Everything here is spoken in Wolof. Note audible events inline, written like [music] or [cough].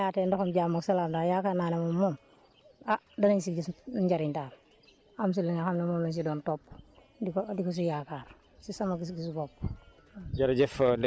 su ñu yàlla mayaatee ndoxum jàmm ak salaam daal yaakaar naa ne moom ah danañ si gis njëriñ daal am si li nga xam ne moom lañ si doon topp di ko di ko si yaakaar si sama gis-gisu bopp [noise]